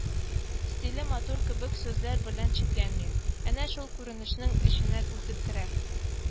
Стиле матур” кебек сүзләр белән чикләнми, әнә шул күренешнең эченә үтеп керә,